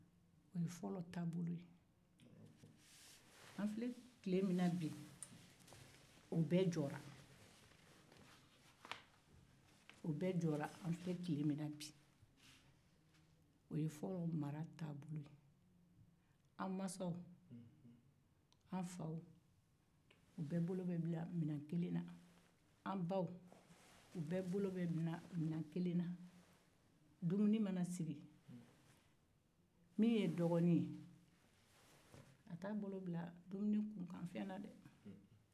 o ye fɔlɔ taabolo ye an filɛ tile min na bi o bɛɛ jɔra an faw bɛɛ bolo bɛ minɛn kelen na an baw bɛɛ bolo bɛ minɛn kelen na dumuni mana sigi dɔgɔnin t'a bolo se dumuni kunnafɛn ma dɛ